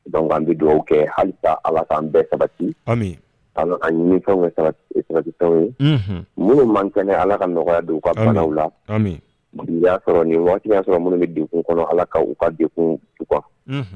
Dɔnku an bɛ dugawu kɛ hali ala k'an bɛɛ sabati ɲini fɛntiw ye minnu man kɛnɛ ala ka nɔgɔya don u ka fangaw la y'a sɔrɔ nin waati y'a sɔrɔ minnu bɛ dugukun kɔnɔ ala ka uu kakun